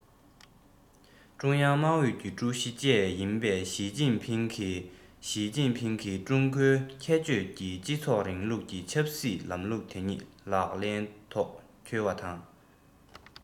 ཀྲུང དབྱང དམག ཨུད ཀྱི ཀྲུའུ ཞི བཅས ཡིན པའི ཞིས ཅིན ཕིང གིས ཞིས ཅིན ཕིང གིས ཀྲུང གོའི ཁྱད ཆོས ཀྱི སྤྱི ཚོགས རིང ལུགས ཀྱི ཆབ སྲིད ལམ ལུགས དེ ཉིད ལག ལེན ཐོག འཁྱོལ བ དང